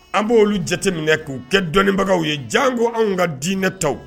An b' oluolu jateminɛ kɛ k'u kɛ dɔnnibagaw ye jan ko anw ka diinɛ tɔw